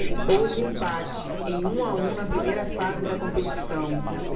houve empate em um a um na primeira fase da competição